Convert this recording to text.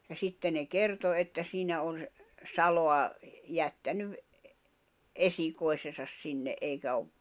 ja sitten ne kertoi että siinä on - salaa jättänyt esikoisensa sinne eikä ole